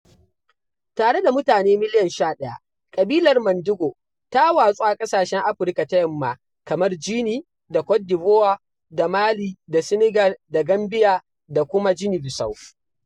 Tare da mutane miliyan 11, ƙabilar Mandingo ta watsu a ƙasashen Afirka ta Yamma kamar Guinea da Cote d'Ivoire da Mali da Senegal da Gambia da kuma Guinea-Bissau.